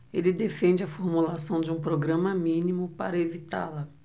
ele defende a formulação de um programa mínimo para evitá-la